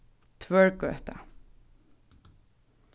tvørgøta